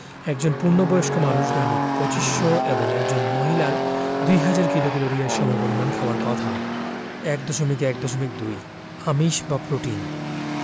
একজন পূর্ণবয়স্ক মানুষের দৈনিক ২৫০০ এবং একজন মহিলার ২০০০ কিলোক্যালরি এর সমপরিমান খাবার খাওয়ার কথা ১.১.২ আমিষ বা প্রোটিন